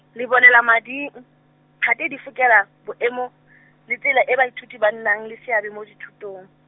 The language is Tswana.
lebolelamading, phate di fokolela, boemo , le tsela e baithuti ba nnang leng seabe mo dithutong.